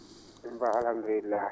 mbaa alahamdulillahi